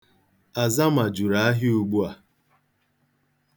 Azama juru ahịa ugbu a.